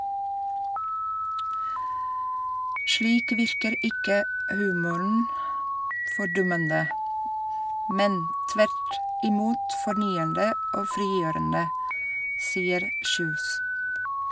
Slik virker ikke humoren fordummende, men tvert imot fornyende og frigjørende, sier Kjus.